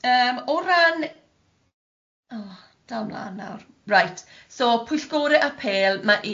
Yym o ran o dal mlan nawr right so pwyllgore apêl ma'